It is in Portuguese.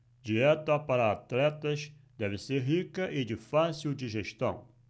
dieta para atletas deve ser rica e de fácil digestão